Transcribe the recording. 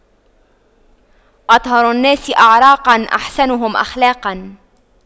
أطهر الناس أعراقاً أحسنهم أخلاقاً